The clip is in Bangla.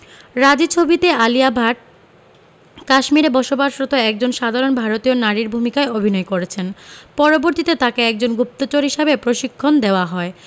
রাজী ছবিতে আলিয়া ভাট কাশ্মীরে বসবাসরত একজন সাধারন ভারতীয় নারীর ভূমিকায় অভিনয় করেছেন পরবর্তীতে তাকে একজন গুপ্তচর হিসাবে প্রশিক্ষণ দেওয়া হয়